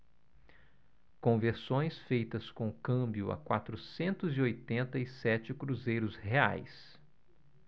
conversões feitas com câmbio a quatrocentos e oitenta e sete cruzeiros reais